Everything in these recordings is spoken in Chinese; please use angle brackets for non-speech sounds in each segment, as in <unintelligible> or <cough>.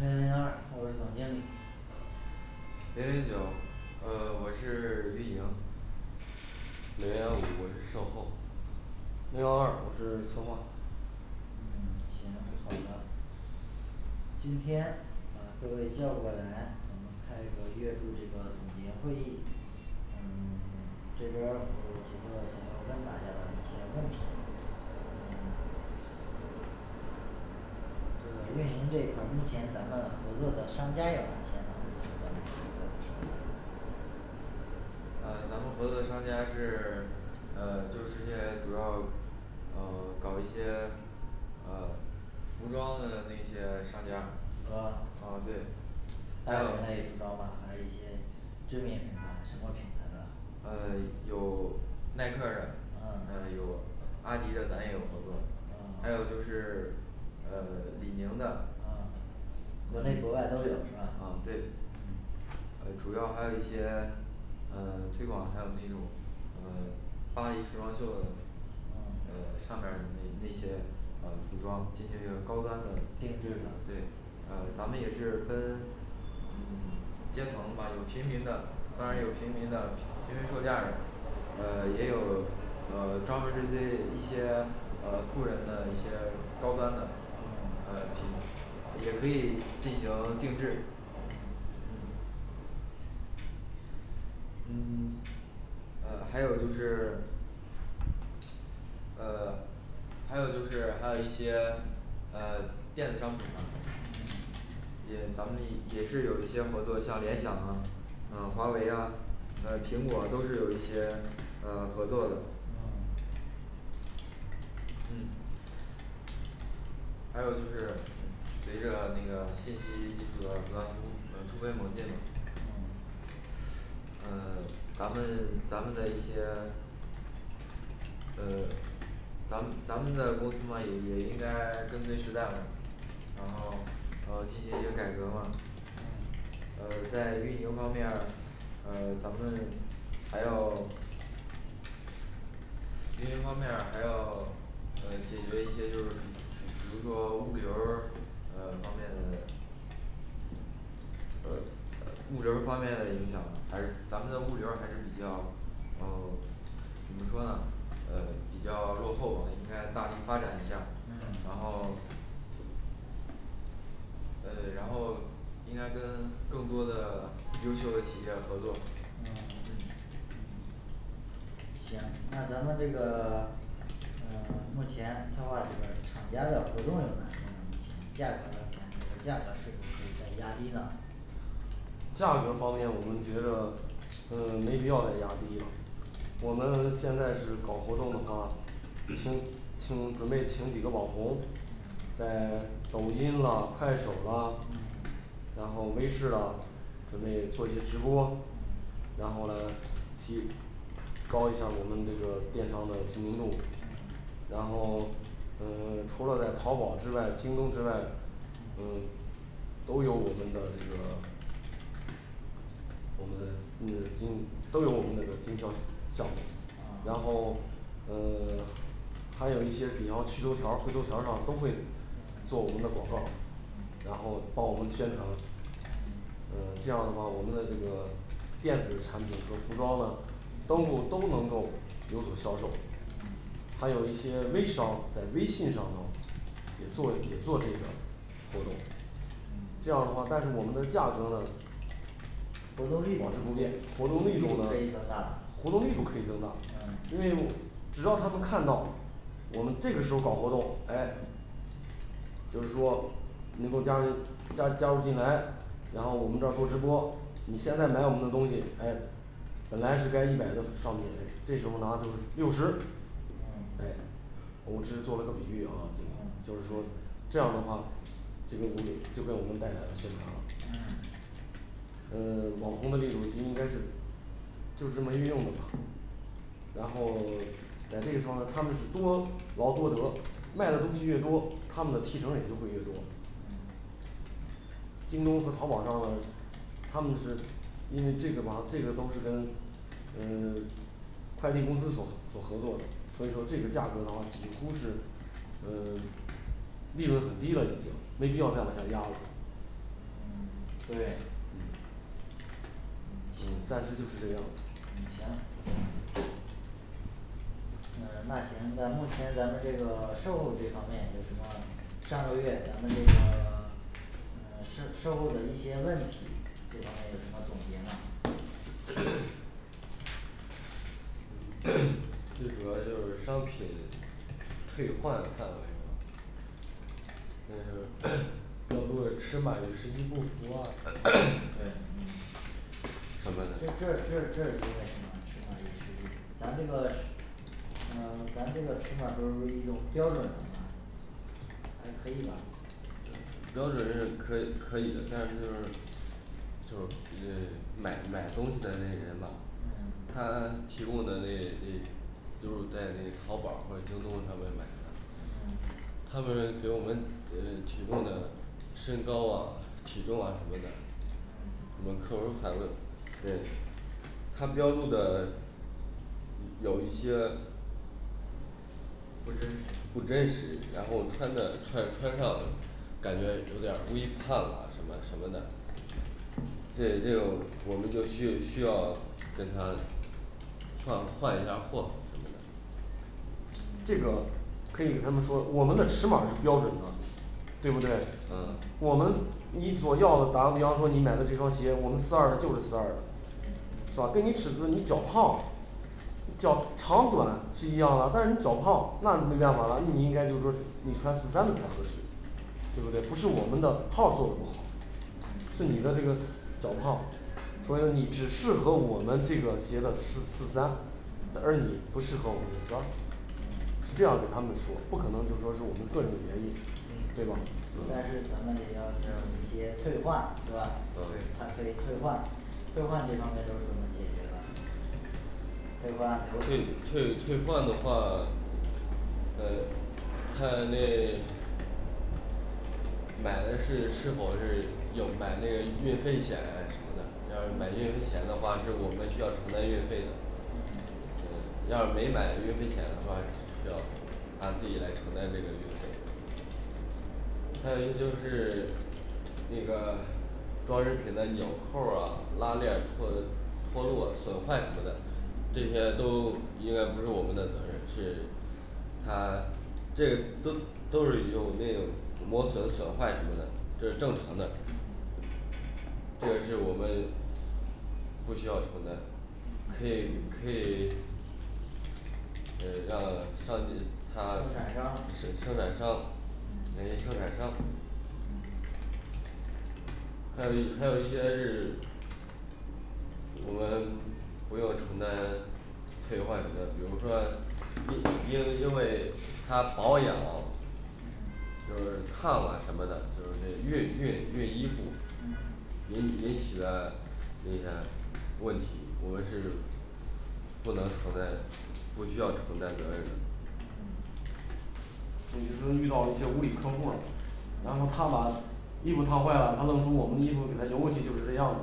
零零二我是总经理零零九嗯 <silence> 我是运营零幺五我是售后零幺二我是策划嗯行好的今天把各位叫过来咱们开一个月度这个总结会议嗯 <silence> 这边儿我有几个想要问大家的一些问题嗯 <silence> 这个运营这块儿目前咱们合作的商家有哪些呢呃咱们合作的商家是 <silence> 呃就是些主要呃 <silence> 搞一些啊服装的那些商家服装啊对大众类服装吗还是一些知名品牌什么品牌的呃 <silence> 有耐克儿的啊嗯有阿迪的咱也有合作还嗯有就是呃 <silence> 李宁的嗯国内国外都有是吧嗯嗯对呃主要还有一些 <silence> 呃 <silence> 推广还有那种呃 <silence> 巴黎时装秀的嗯还有上边儿那那些啊服装进行一个高端的定制的对啊咱们也是分嗯阶层吧有平民的当然有平民的因为特价呃 <silence> 也有呃 <silence> 专门儿针对一些呃富人的一些高端的嗯呃也可以进行定制嗯嗯嗯 <silence> 呃还有就是呃 <silence> 还有就是还有一些呃 <silence> 电子商品啊嗯也咱们一 <unintelligible> 也是有一些合作像联想啊呃华为呀呃苹果都是有一些呃合作的嗯嗯还有就是随着那个信息技术的不断突呃突飞猛进的嗯嗯 <silence> 咱们咱们的一些嗯咱们咱们的公司嘛也也应该跟随时代嘛然后呃进行一些改革嘛嗯嗯 <silence> 在运营方面儿呃 <silence> 咱们还要运营方面儿还要呃解决一些就是比如说物流儿呃方面的呃呃物流儿方面的影响还是咱们的物流儿还是比较哦怎么说呢嗯比较落后吧应该大力发展一下然嗯后嗯然后应该跟更多的优秀的企业合作嗯嗯嗯行那咱们这个 <silence> 嗯 <silence> 目前策划这边儿厂家的活动有哪些呢目前价格咱们这个价格是否可以再压低呢价格方面我们觉得嗯没必要再压低了我们现在是搞活动的话请请准备请几个网红嗯在抖音啦快手啦嗯然后微视啦准备做一些直播嗯然后来提高一下儿我们这个电商的知名度嗯然后嗯 <silence> 除了在淘宝之外京东之外嗯嗯都有我们的这个我们的呃嗯都有我们那个经销项目然啊后嗯 <silence> 还有一些比方趣头条儿惠头条儿上都会做我们的广告嗯然后帮我们宣传嗯嗯这样的话我们的这个电子产品和服装呢都能都能够有所销售嗯还有一些微商在微信上头也做也做这个活动这样的话但是我们的价格呢活保持动力不变活动力力度度呢可以增大嗯活动力度可以增大嗯因为只要他们看到我们这个时候搞活动哎就是说能够加入加加入进来，然后我们这儿做直播你现在买我们的东西哎本来是该一百的商品这时候儿拿就是六十嗯诶我们只是做了个比喻啊这个嗯就是说这样的话这个就给就给我们带来了宣传了嗯嗯 <silence> 网红的力度应该是就是这么运用的吧然后 <silence> 在这个方面他们是多劳多得卖的东西越多他们的提成也就会越多嗯京东和淘宝上呢他们是因为这个吧这个都是跟嗯 <silence> 快递公司所所合作所以说这个价格的话几乎是嗯 <silence> 利润很低了已经没必要再往下压了嗯对嗯嗯嗯行暂时就是这样嗯行嗯那行咱目前咱们这个 <silence> 售后这方面有什么上个月咱们这个 <silence> 嗯售 <unintelligible> 售后的一些问题这方面有什么总结吗 <hesitation> 最主要就是商品退换范围嗯 <silence> <hesitation> 尺码与实际不符啊 <hesitation> 对嗯什么这儿这儿的这儿这儿因为什么呢尺码与实际咱这个尺呃咱这个尺码儿都是一种标准的嘛还可以吧标准是可以可以但是呢就呃买买东西的那些人吧嗯她提供的那那就是在那淘宝儿或者京东上边买的嗯他们给我们嗯提供的身高啊体重啊什么的嗯我们客户反应对她标注的嗯有一些不真实不真实然后穿的穿穿上就感觉有点儿微胖啊什么什么的这这种我们就需需要跟她换换一下儿货这个可以跟他们说我们的尺码儿是标准的对不对啊我们你所要的打个比方说你买了这双鞋我们四二的就是四二的是吧跟你尺寸你脚胖脚长短是一样的，但是你脚胖那没办法了，你应该就是说你穿四三的才合适对不对不是我们的号儿做的不好嗯是你的这个脚胖所以你只适合我们这个鞋的四四三嗯而你不适合我们的四二这样给他们说不可能就是说是我们店里的原因对吧但是咱们也要进行一些退换对吧她对可以退换退换这方面又是这么解决的退换流退程退退换的话嗯看那 <silence> 买的是是否是有买那个运费险呀什么的要是买嗯运费险的话就我们需要承担运费的嗯对要是没买运费险的话需要她自己来承担这个运费还有一就是 <silence> 那个装饰品的纽扣儿啊拉链儿脱脱落损坏什么的这嗯些都应该不是我们的责任是它这都都是有那个磨损损坏什么的，这是正常的嗯这也是我们不需要承担可嗯以可以嗯 <silence> 让商品生他产商是生产商给那生产商嗯还有一还有一些是我们不用承担退换质量比如说一 <unintelligible> 因因为她保养嗯就是烫了什么的就是为熨熨熨衣服嗯引引起的那些问题我们是不能承担不需要承担责任的嗯就比如说遇到一些无理客户儿了然后她把衣服烫坏了，她愣说我们的衣服给她邮过去，就是这样子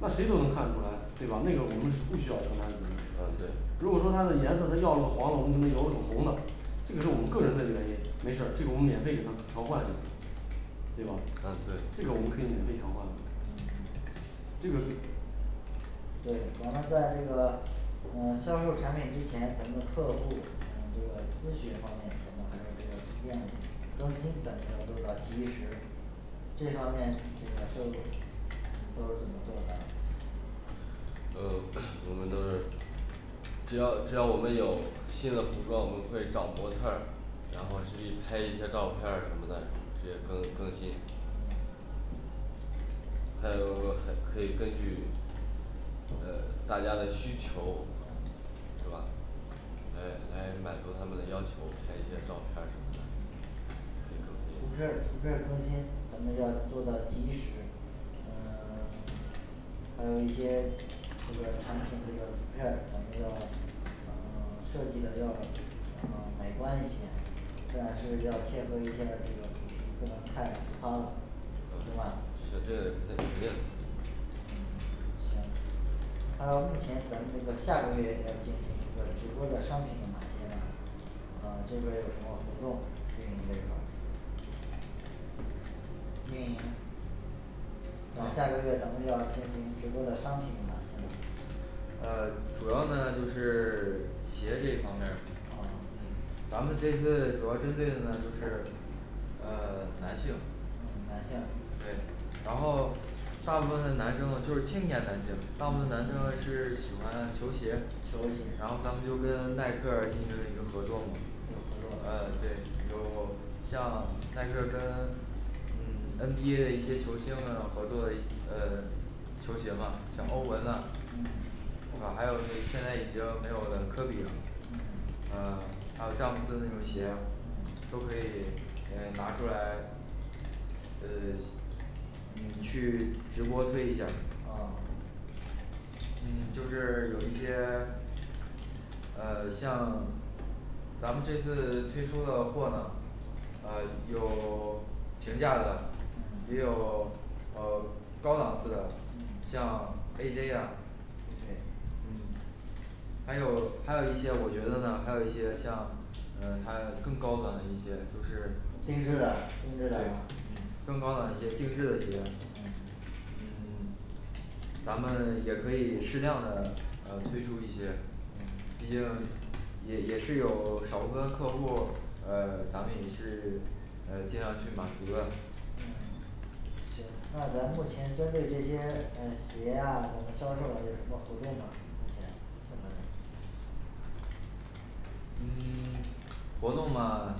那谁都能看出来对吧那个我们是不需要承担责任的呃对如果说它的颜色她要了黄的，我们给她邮了个红的这个是我们个人的原因没事儿这个我们免费给他们调换一下对吧嗯对这个我们可以免费调换的嗯这个可以对咱们在这个嗯 <silence> 销售产品之前咱们客户嗯这个咨询方面咱们还有这个图片更新咱们要做到及时这方面这个售后嗯都是怎么做的嗯 <hesitation> 我们那儿只要只要我们有新的服装我们会找模特儿然后去拍一些照片儿什么的直接更更新还有还可以根据呃大家的需求是吧来来满足他们的要求拍一些照片儿什么的图片儿图片儿更新咱们要做到及时嗯 <silence> 还有一些图片儿产品这个图片儿咱们要嗯 <silence> 设计的要呃美观一些自然是要借助一下儿这个图不能太浮夸了行嗯吧是这个对肯定还有目前咱们这个下个月来进行一个直播的商品有哪些呢啊这边儿有什么活动运营这一块儿运营啊下个月咱们要进行直播的商品有哪些呢呃 <silence> 主要呢就是 <silence> 鞋这一方面儿啊嗯咱们这次主要针对的呢就是呃 <silence> 男性嗯男性对然后大部分的男生呢就是青年男性，大部分嗯男生呢是喜欢球儿鞋球鞋然后咱们就跟耐克儿进行一个合作嘛有合作啊对有像耐克儿跟嗯 N B A的一些球星们合作的一呃 <silence> 球鞋吧像欧文呢嗯啊还有现在已经没有的科比了嗯啊还有詹姆森那种鞋啊嗯都可以 <silence> 嗯拿出来嗯 <silence> 嗯去直播推一下啊嗯 <silence> 就是有一些 <silence> 呃 <silence> 像 <silence> 咱们这次推出的货呢啊有 <silence> 平价的嗯也有呃高档次的嗯像 A J呀 A J 嗯 <silence> 还有还有一些我觉得呢还有一些像呃还有更高端的一些就是定制的定制的呀更高档一些定制的鞋嗯嗯 <silence> 咱们也可以适量的呃推出一些嗯毕竟也也是有少部分客户儿呃 <silence> 咱们也是呃尽量去满足的嗯行那咱目前针对这些嗯鞋呀咱们销售这儿有什么活动吗目前咱们嗯 <silence> 活动嘛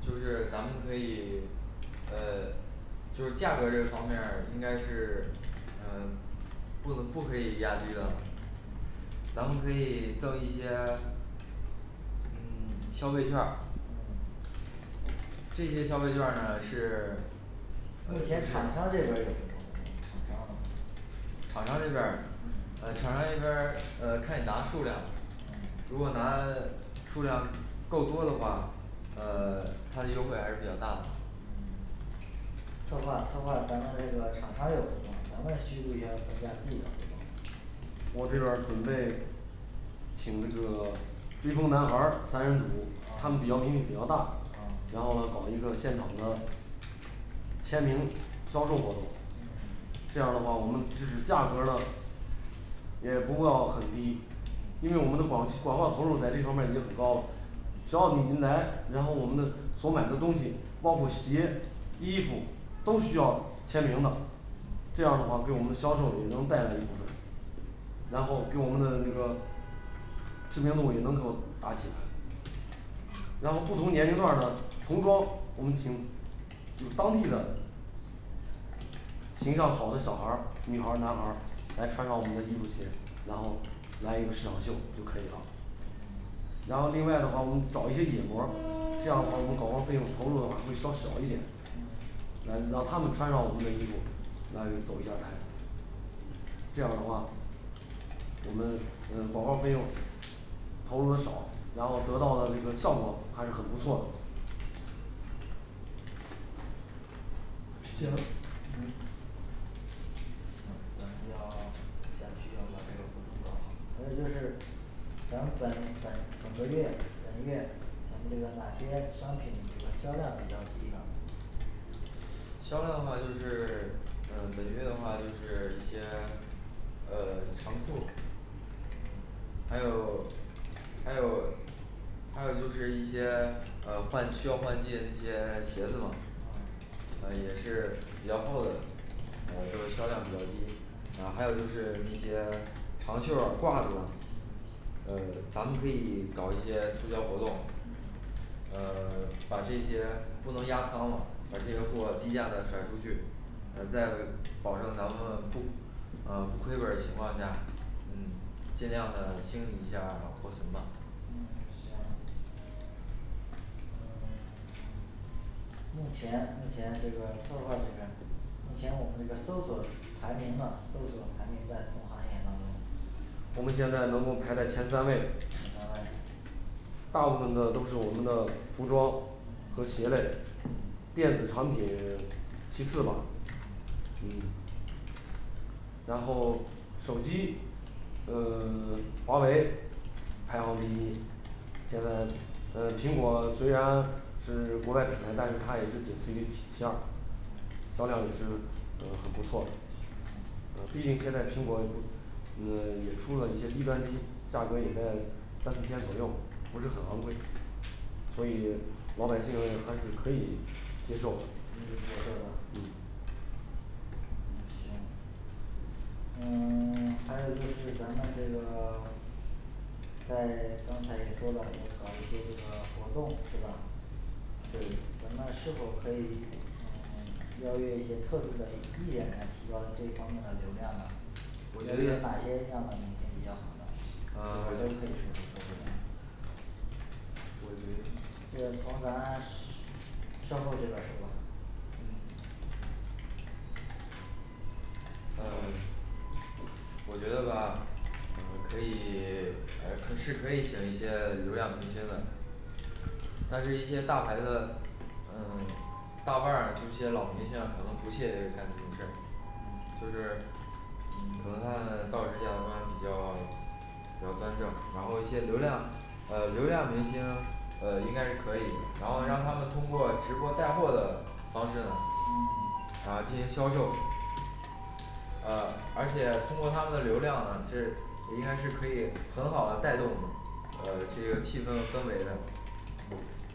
就是咱们可以 <silence> 呃 <silence> 就是价格儿这方面儿应该是 <silence> 呃 <silence> 不能 <unintelligible> 不可以压低的咱们可以赠一些嗯 <silence> 消费券儿嗯这些消费券儿呢是目前厂商这边儿有什么活动厂商的厂商这边儿嗯呃厂商这边儿呃看你拿数量嗯如果拿数量够多的话呃 <silence> 它的优惠还是比较大的嗯策划策划咱们那个厂商有活动咱们需不需要增加自己的活动呢我这边儿准备请这个追风男孩儿三人组他啊们比较名气比较大啊然后搞一个现场的签名销售活动嗯这样的话我们只是价格儿呢也不要很低因嗯为我们的广广告投入在这方面儿已经很高了嗯只要你人来然后我们的所买的东西包括鞋衣服都需要签名的这样的话给我们销售也能带来一部分然后给我们的那个知名度也能够打起来嗯然后不同年龄段儿的童装我们请请当地的形象好的小孩儿女孩儿男孩儿来穿上我们的衣服鞋然后来一个时装秀就可以了嗯然后另外的话我们找一些野模儿这样的话我们广告费用投入的话会稍少一点儿嗯来让他们穿上我们的衣服来走一下看这样的话我们嗯广告儿费用投入的少然后得到的这个效果还是很不错行嗯行咱们要 <silence> 下去要把这个活动搞好还有就是咱本本本个月本月咱们有哪些商品这个销量比较低呢销量的话就是 <silence> 嗯本月的话就是一些嗯 <silence> 长裤儿还有还有还有就是一些呃换需要换季的一些鞋子嘛嗯哎也是比较厚的，呃所以销量比较低。 啊还有就是一些长袖儿啊褂子嗯呃咱们可以搞一些促销活动嗯呃 <silence> 把这些不能压仓，把这些货低价的甩出去嗯，在保证咱们不呃不亏本儿的情况下嗯尽量的清理一下库存吧嗯行嗯 <silence> 目前目前这个策划这边儿目前我们的搜索排名呢搜索排名在同行业当中咱们现在能够排在前三位前三位大部分的都是我们的服装嗯和鞋类电子产品 <silence> 其次吧嗯嗯然后手机嗯 <silence> 华为排行第一，现在呃苹果虽然是国外品牌，但是它也是仅次于其其二嗯销量也是嗯很不错嗯嗯毕竟现在苹果不嗯 <silence> 也出了一些低端机，价格也在三四千左右，不是很昂贵所以老百姓还是可以接受可以接受啊嗯嗯行嗯 <silence> 还有就是咱们这个 <silence> 在刚才也说了也搞一些这个活动是吧对咱们是否可以嗯邀约一些特殊的艺人来提高这方面的流量呢我决定哪些样的明星比较好呢都可以呃 <silence> 重新我觉得就从咱使销售这边儿是吗嗯呃 <silence> 我觉得吧呃可以 <silence> 可以请一些流量明星的但是一些大牌的嗯 <silence> 大腕儿就一些老明星，可能不屑于干这种事儿嗯就是嗯可能他们道值价德观比较比较端正，然后一些流量呃流量明星呃应该是可以，然后让他嗯们通过直播带货的方式呢嗯啊进行销售呃而且通过他们的流量呢是应该是可以很好的带动呃这个气氛氛围的嗯